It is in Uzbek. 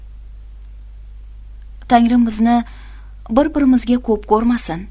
tangrim bizni bir birimizga ko'p ko'rmasin